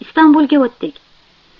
istambulga o'tdik